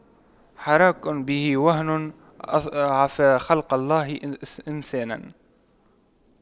حراك به وهن أضعف خلق الله إنسانا